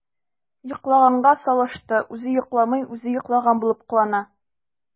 “йоклаганга салышты” – үзе йокламый, үзе йоклаган булып кылана.